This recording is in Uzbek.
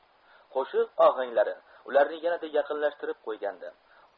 qo'shiq ohanglari ularni yanada yaqinlashtirib qo'ygandi